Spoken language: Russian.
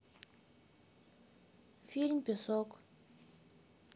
фильм песок